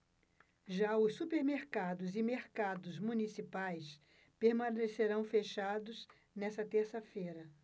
já os supermercados e mercados municipais permanecerão fechados nesta terça-feira